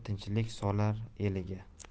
tinchlik solar eliga